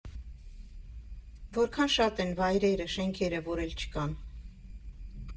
Որքա՜ն շատ են վայրերը, շենքերը, որ էլ չկան։